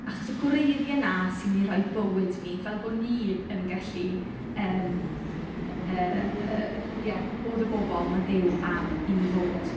Achos y gwreiddiau 'na sy'n mynd i rhoi bywyd ni, fel bo' ni yn gallu yym yy ie bod y bobl ma' Duw am i ni fod.